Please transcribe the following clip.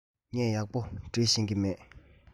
ངས ཡག པོ འབྲི ཤེས ཀྱི མེད